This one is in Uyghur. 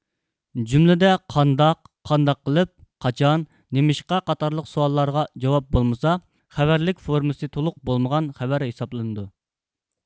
جۈملىدە قانداق قانداق قىلىپ قاچان نېمىشقا قاتارلىق سوئاللارغا جاۋاب بولمىسا خەۋەرلىك فورمىسى تولۇق بولمىغان خەۋەر ھېسابلىنىدۇ